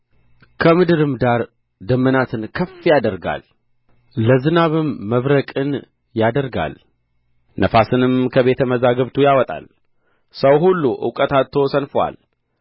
ከምድርም ዳር ደመናትን ከፍ ያደርጋል ለዝናብም መብረቅን ያደርጋል ነፍስንም ከቤተ መዛግብቱ ያወጣል ሰው ሁሉ እውቀት አጥቶ ሰንፎአል